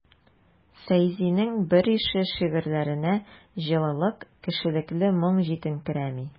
Фәйзинең берише шигырьләренә җылылык, кешелекле моң җитенкерәми.